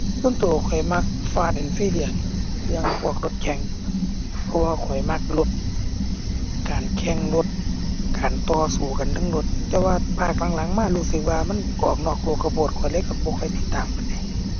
ส่วนตัวข้อยมัก Fast and Furious เรื่องพวกรถแข่ง เพราะว่าข้อยมักรถ การแข่งรถ การต่อสู้กันเทิงรถ แต่ว่าภาคหลังหลังมารู้สึกว่ามันออกนอกโลกคักโพด ข้อยเลยตัวบ่ค่อยติดตามปานใด